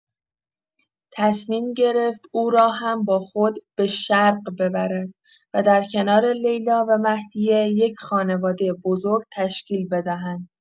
تصمیم گرفت او را هم با خود به شرق ببرد و در کنار لیلا و مهدیه یک خانواده بزرگ تشکیل بدهند.